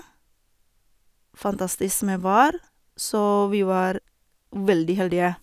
Fanastisk med vær, så vi var veldig heldige.